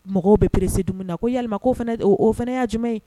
Mɔgɔw be pressé dununi na ko yalima o fana ya jumɛn ye?